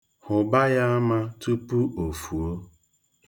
Hụba ya ama tupu o fuo.